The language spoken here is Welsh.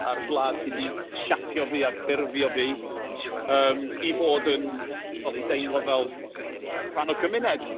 A'r wlad sy 'di siapio fi a ffurfio fi, yym, i fod yn, wel i deimlo fel rhan o gymuned.